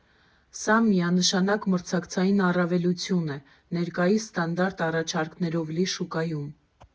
Սա միանշանակ մրցակցային առավելություն է ներկայիս ստանդարտ առաջարկներով լի շուկայում։